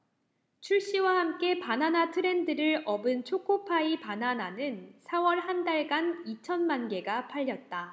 출시와 함께 바나나 트렌드를 업은 초코파이 바나나는 사 월 한 달간 이천 만개가 팔렸다